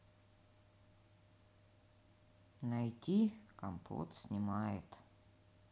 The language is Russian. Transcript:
найти компот снимает